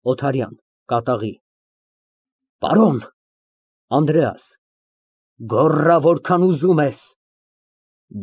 ՕԹԱՐՅԱՆ ֊ (Կատաղի) Պարոն… ԱՆԴՐԵԱՍ ֊ Գոռա որքան ուզում ես։